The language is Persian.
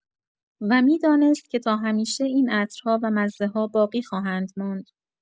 و می‌دانست که تا همیشه، این عطرها و مزه‌ها باقی خواهند ماند.